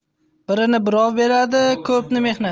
birni birov beradi ko'pni mehnat